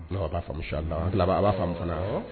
B'a faamamu la a b'a fana